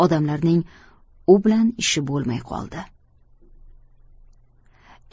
odamlarning u bilan ishi bo'lmay qo'ydi